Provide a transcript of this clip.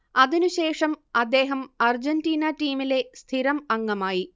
അതിനുശേഷം അദ്ദേഹം അർജന്റീന ടീമിലെ സ്ഥിരം അംഗമായി